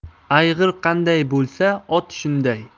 ayg'ir qanday bo'lsa ot shunday